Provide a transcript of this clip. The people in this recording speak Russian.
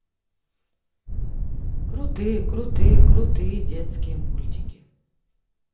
крутые крутые крутые детские мультики